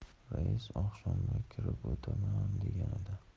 rais oqshomda kirib o'taman degan edi